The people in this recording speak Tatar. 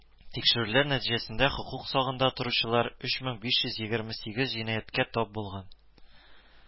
Тикшерүләр нәтиҗәсендә хокук сагында торучылар өч мең биш йөз егерме сигез җинаятькә тап булган